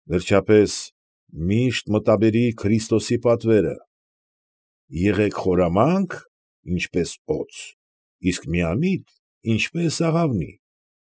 Վերջապես, միշտ մտաբերիր Քրիստոսի պատվերը. «Եղեք խորամանկ, ինչպես օձ, իսկ միամիտ՝ ինչպես աղավնի»։